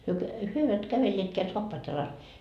he - he eivät kävelleetkään saappaat jalassa